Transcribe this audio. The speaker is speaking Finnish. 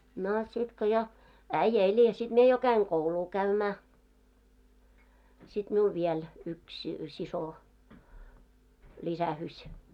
no sitten kun jo äijä eli ja sitten minä jo kävin koulua käymään sitten minulla vielä yksi sisko lisäysi